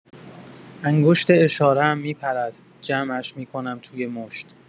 انگشت اشاره‌ام می‌پرد، جمعش می‌کنم توی مشت.